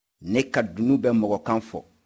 ne ka dunun bɛ mɔgɔkan fɔ